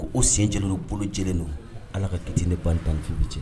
O sen jeliw bolo lajɛlen don ala ka tt ni ban tan' bɛ cɛ